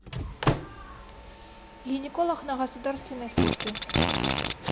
гинеколог на государственной службе